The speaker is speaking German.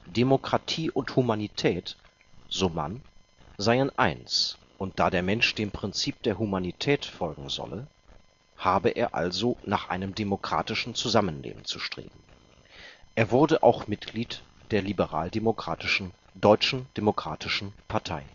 Demokratie und Humanität, so Mann, seien eins, und da der Mensch dem Prinzip der Humanität folgen solle, habe er also nach einem demokratischen Zusammenleben zu streben. Er wurde auch Mitglied der liberaldemokratischen Deutschen Demokratischen Partei